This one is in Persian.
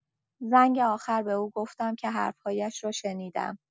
زنگ آخر به او گفتم که حرف‌هایش را شنیدم.